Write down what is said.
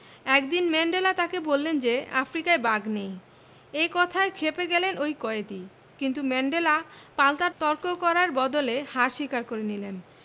একদিন ম্যান্ডেলা তাঁকে বললেন যে আফ্রিকায় বাঘ নেই এ কথায় খেপে গেলেন ওই কয়েদি কিন্তু ম্যান্ডেলা পাল্টা তর্ক করার বদলে হার স্বীকার করে নিলেন